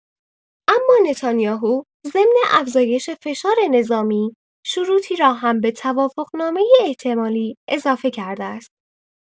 اما نتانیاهو ضمن افزایش فشار نظامی، شروطی را هم به توافقنامه احتمالی اضافه کرده است.